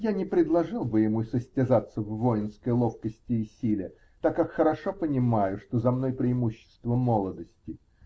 -- Я не предложил бы ему состязаться в воинской ловкости и силе, так как хорошо понимаю, что за мной преимущество молодости.